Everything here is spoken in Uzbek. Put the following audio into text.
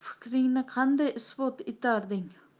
fikringni qanday isbot etarding